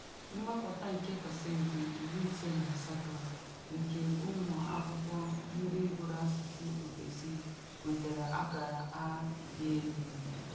Mgbakọta nke pasentị 68 nke ụmụ akwụkwọ ndị gụrụ asụsụ ofesi nwetara akara A Dị Elu.